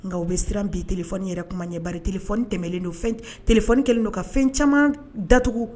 Nka o bɛ siran bi téléphone yɛrɛ kuma ɲɛ, bari téléphone tɛmɛlen don, fɛn, téléphone kɛlen don ka fɛn caman da tugu.